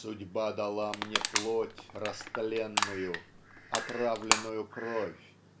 Судьба дала мне плоть растленную Отравленную кровь